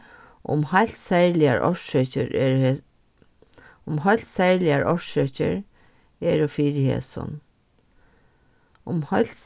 um heilt serligar orsøkir um heilt serligar orsøkir eru fyri hesum um heilt